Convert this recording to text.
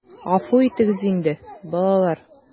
Гафу итегез инде, балалар...